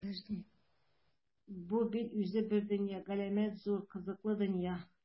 Бу бит үзе бер дөнья - галәмәт зур, кызыклы дөнья!